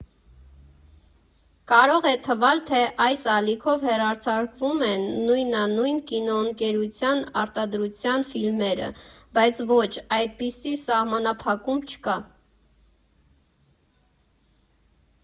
Կարող է թվալ, թե այս ալիքով հեռարձակվում են նույնանուն կինոընկերության արտադրության ֆիլմերը, բայց ոչ, այդպիսի սահմանափակում չկա։